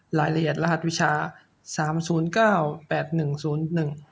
รายละเอียดรหัสวิชาสามศูนย์เก้าแปดหนึ่งศูนย์หนึ่ง